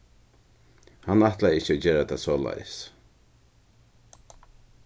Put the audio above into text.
hann ætlaði ikki gera tað soleiðis